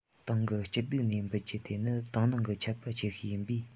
ཏང གི སྐྱིད སྡུག ནས འབུད རྒྱུ དེ ནི ཏང ནང གི ཆད པ ཆེ ཤོས ཡིན པས